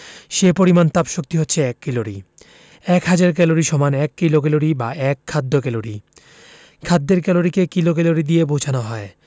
সে পরিমাণ তাপশক্তি হচ্ছে এক ক্যালরি এক হাজার ক্যালরি সমান এক কিলোক্যালরি বা এক খাদ্য ক্যালরি খাদ্যের ক্যালরিকে কিলোক্যালরি দিয়ে বোঝানো হয়